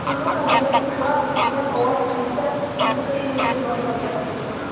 Соңгы хәбәрләр тапшырабыз, дигән аваз килде дә, музыка шыңгырдый башлады.